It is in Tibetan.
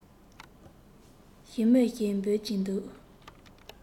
ཞི མི ཞེས འབོད ཀྱིན འདུག